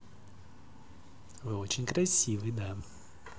вы очень красивый да